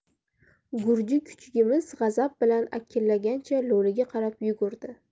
gurji kuchugimiz g'azab bilan akillagancha lo'liga qarab yugurdi